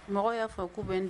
Mɔgɔ y'a fɔ ko bɛ